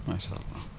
macha allah